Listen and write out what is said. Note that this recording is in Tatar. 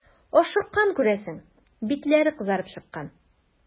Ашыккан, күрәсең, битләре кызарып чыккан.